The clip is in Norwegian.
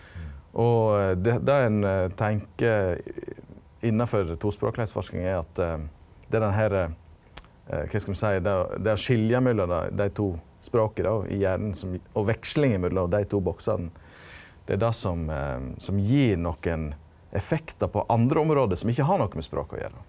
og det det ein tenker innanfor tospråklegheitsforskinga er at det er den her kva skal me seie det det å skilja mellom dei to språka då i hjernen som og vekslinga mellom dei to boksane det er det som som gir nokre effektar på andre område som ikkje har noko med språk å gjera.